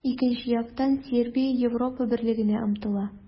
Икенче яктан, Сербия Европа Берлегенә омтыла.